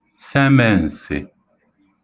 semēǹsị̀